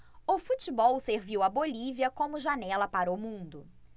o futebol serviu à bolívia como janela para o mundo